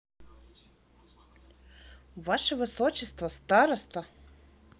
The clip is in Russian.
ваше высочество староста